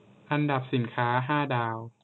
อันดับสินค้าห้าดาว